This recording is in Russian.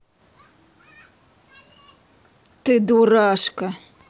ты дурашка